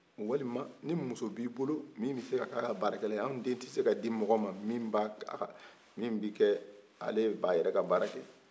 walima ni muso b'i bolo min bese ka k'a ka barakɛla ye anw den tese ka di mɔgɔ ma ale yɛrɛ b'a ka baara kɛ